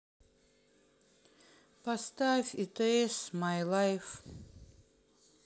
поставь итс май лайф